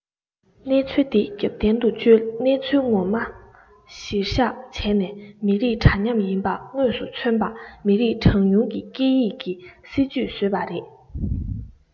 གནས ཚུལ འདི རྒྱབ རྟེན དུ བཅོལ གནས ཚུལ ངོ མ གཞིར བཞག བྱས ནས མི རིགས འདྲ མཉམ ཡིན པ དངོས སུ མཚོན པ མི རིགས གྲངས ཉུང གི སྐད ཡིག གི སྲིད ཇུས བཟོས པ རེད